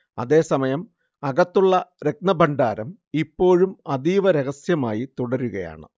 അതേസമയം, അകത്തുള്ള രത്നഭണ്ഡാരം ഇപ്പോഴും അതീവ രഹസ്യമായി തുടരുകയാണ്